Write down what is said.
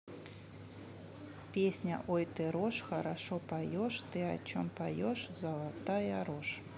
песня ой ты рожь хорошо поешь ты о чем поешь золотая рожь